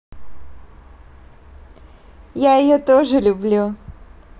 я ее тоже люблю